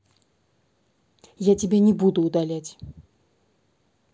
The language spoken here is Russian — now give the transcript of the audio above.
я тебя не буду удалять